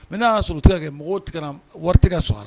N' y'a sɔrɔ tɛ kɛ mɔgɔw tigɛ wari tɛ ka soyara